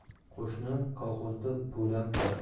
qo'shni kolxozda bo'lam turadi